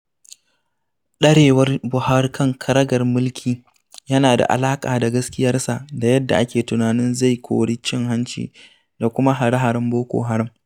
ɗarewar Buhari kan karagar mulki yana da alaƙa da gaskiyarsa da yadda ake tunanin zai kori cin-hanci da kuma hare-haren Boko Haram.